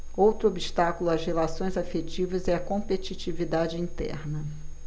outro obstáculo às relações afetivas é a competitividade interna